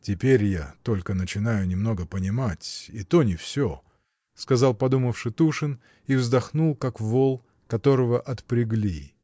— Теперь я только начинаю немного понимать, и то не всё, — сказал, подумавши, Тушин и вздохнул, как вол, которого отпрягли.